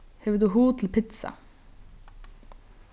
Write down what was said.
hevur tú hug til pitsa